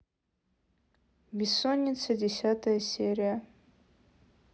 бессонница десятая серия